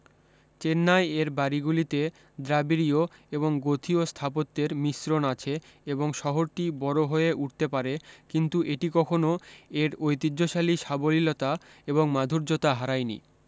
চেন্নাইের এর বাড়িগুলিতে দ্রাবিড়ীয় এবং গথীয় স্থাপত্যের মিশ্রন আছে এবং শহরটি বড় হয়ে উঠতে পারে কিন্তু এটি কখোনো এর ঐতিহ্যশালী সাবলীলতা এবং মাধুর্য্যতা হারায় নি